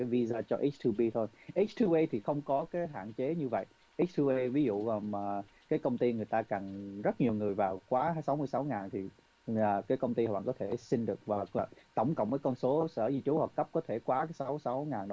vi da cho íc triu bi thôi íc triu ây thì không có cái hạn chế như vậy íc triu ây ví dụ vào mà các công ty người ta cần rất nhiều người vào quá sáu mươi sáu ngàn thì nhờ các công ty hoặc có thể xin được vào khoảng tổng cộng với con số sở di trú hoặc cấp có thể quá sáu sáu ngàn